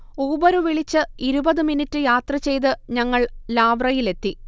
Uber വിളിച്ച് ഇരുപത് minute യാത്ര ചെയ്ത് ഞങ്ങൾ ലാവ്റയിലെത്തി